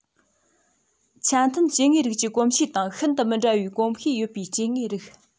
ཆ མཐུན སྐྱེ དངོས རིགས ཀྱི གོམས གཤིས དང ཤིན ཏུ མི འདྲ བའི གོམས གཤིས ཡོད པའི སྐྱེ དངོས རིགས